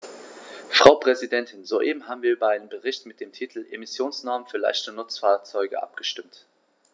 Frau Präsidentin, soeben haben wir über einen Bericht mit dem Titel "Emissionsnormen für leichte Nutzfahrzeuge" abgestimmt.